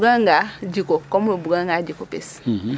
O bugangaa jiku comme o bugangaa jiku pis .